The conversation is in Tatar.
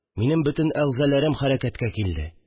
Минем бөтен әгъзаларым хәрәкәткә килде